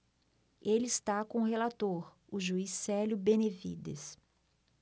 ele está com o relator o juiz célio benevides